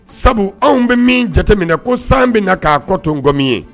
Sabu anw bɛ min jateminɛ ko san bɛna na k'a kɔtɔnon n kɔmi ye